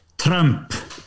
Trump.